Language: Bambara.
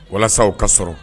Walasa o ka sɔrɔ